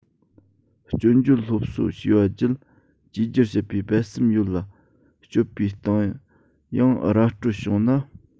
སྐྱོན བརྗོད སློབ གསོ བྱས པ བརྒྱུད བཅོས སྒྱུར བྱེད པའི རྦད སེམས ཡོད ལ སྤྱོད པའི སྟེང ཡང ར སྤྲོད བྱུང ན